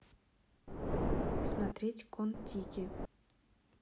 смотреть кон тики